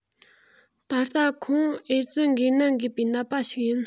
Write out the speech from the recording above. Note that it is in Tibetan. ད ལྟ ཁོ ཨེ ཙི འགོས ནད འགོས པའི ནད པ ཞིག ཡིན